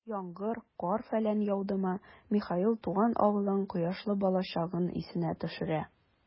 Яңгыр, кар-фәлән яудымы, Михаил туган авылын, кояшлы балачагын исенә төшерә.